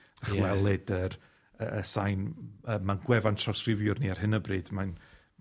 dychwelyd yr y y sain yy ma'n gwefan trawsgrifiwr ni ar hyn o bryd mae'n